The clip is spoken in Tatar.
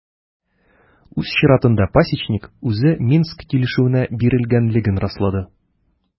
Үз чиратында Пасечник үзе Минск килешүенә бирелгәнлеген раслады.